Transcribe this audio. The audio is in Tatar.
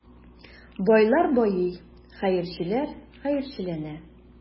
Байлар байый, хәерчеләр хәерчеләнә.